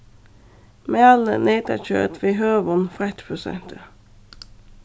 malið neytakjøt við høgum feittprosenti